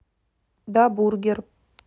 да бургер